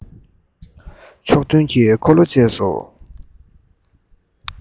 ཕྱོགས སྟོན གྱི འཁོར ལོ བཅས སོ